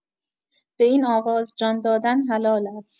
به این آواز جان‌دادن حلال است